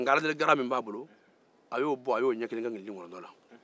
a y'a ka aladeligaran ɲɔ kelen kɛ nkilintikolonto la